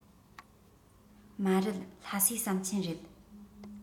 མ རེད ལྷ སའི ཟམ ཆེན རེད